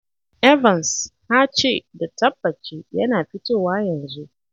Evans: "Ka ce, da tabbaci yana fitowa yanzu!"